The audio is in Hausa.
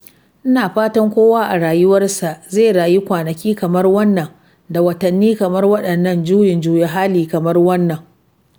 Ina fatan kowa, a rayuwarsa, zai rayu kwanaki kamar wannan, da watanni kamar waɗannan, juyin juya hali kamar wannan. #tunisia #tnelec